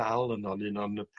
dal yno'n un o'n yy